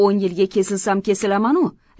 o'n yilga kesilsam kesilamanu